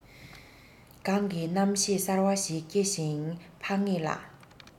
གངས ཀྱི རྣམ ཤེས གསར བ ཞིག སྐྱེ ཞིང འཕགས ངེས ལ